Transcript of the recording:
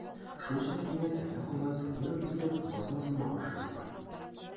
Шулчак кинәт әллә кайдан Сабиров килеп басмасынмы каршыбызга.